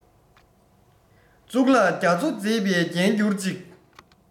གཙུག ལག རྒྱ མཚོ མཛེས པའི རྒྱན གྱུར ཅིག